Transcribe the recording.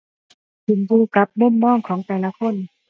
ขึ้นอยู่กับมุมมองของแต่ละคน